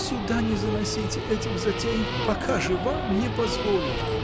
Сюда не заносите этих затей: пока жива, не позволю.